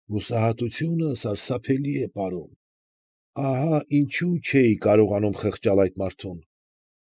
Հուսահատությունը սարսափելի է, պարոն։ Ահա՛ ինչու չէի կարողանում խղճալ այդ մարդուն։